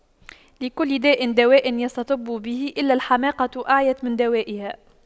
لكل داء دواء يستطب به إلا الحماقة أعيت من يداويها